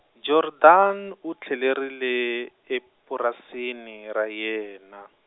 Jordaan u tlhelerile, epurasini, ra yena.